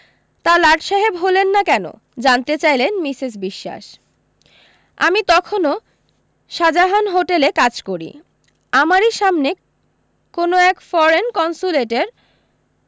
তা লাটসাহেব হলেন না কেন জানতে চাইলেন মিসেস বিশোয়াস আমি তখনও শাজাহান হোটেলে কাজ করি আমারি সামনে কোন এক ফরেন কনসুলেটের